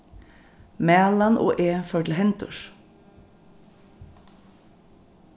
malan og eg fóru til hendurs